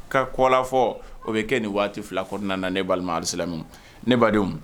Ka kɔ fɔ o bɛ kɛ nin waati fila kɔn kɔnɔna na na ne'samu ne badenw